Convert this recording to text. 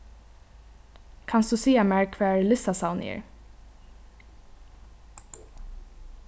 kanst tú siga mær hvar listasavnið er